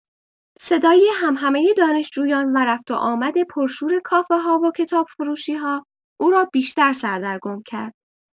صدای همهمه دانشجویان و رفت‌وآمد پرشور کافه‌ها و کتابفروشی‌ها او را بیشتر سردرگم کرد.